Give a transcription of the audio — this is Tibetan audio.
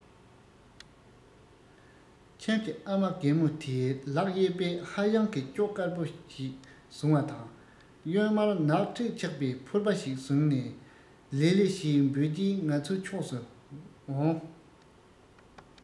ཁྱིམ གྱི ཨ མ རྒན མོ དེས ལག གཡས པས ཧ ཡང གི སྐྱོགས དཀར པོ ཞིག བཟུང བ དང གཡོན མར ནག དྲེག ཆགས པའི ཕོར པ ཞིག བཟུང ནས ལི ལི ཞེས འབོད ཀྱིན ང ཚོའི ཕྱོགས སུ འོང